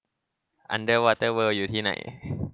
อันเดอร์วอเตอร์เวิล์ดอยู่ที่ไหน